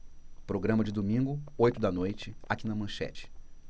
programa de domingo oito da noite aqui na manchete